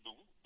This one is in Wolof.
ndax